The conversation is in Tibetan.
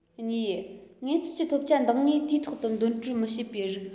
གཉིས ངལ རྩོལ གྱི ཐོབ ཆ འདང ངེས དུས ཐོག ཏུ འདོན སྤྲོད མི བྱེད པའི རིགས